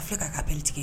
A fɛ katigi